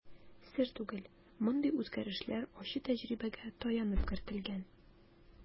Сер түгел, мондый үзгәрешләр ачы тәҗрибәгә таянып кертелгән.